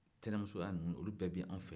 tɛnɛmusuya ninnu olu bɛɛ bɛ anw fɛ yan